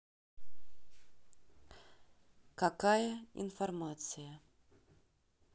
какая информация